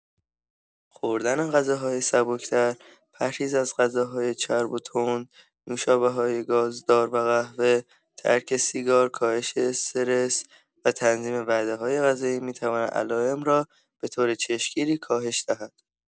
خوردن غذاهای سبک‌تر، پرهیز از غذاهای چرب و تند، نوشابه‌های گازدار و قهوه، ترک سیگار، کاهش استرس و تنظیم وعده‌های غذایی می‌تواند علائم را به‌طور چشم‌گیری کاهش دهد.